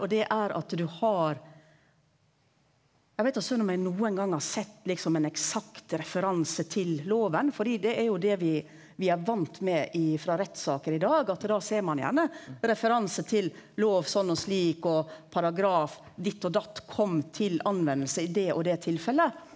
og det er at du har eg veit da søren om eg nokon gong har sett liksom ein eksakt referanse til loven fordi det er jo det vi vi er vant med ifrå rettssaker i dag at da ser ein gjerne referanse til lov sånn og slik og paragraf ditt og datt kom til nytte i det og det tilfellet.